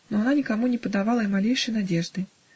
но она никому не подавала и малейшей надежды.